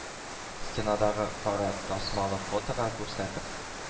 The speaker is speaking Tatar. Стенадагы кара тасмалы фотога күрсәтеп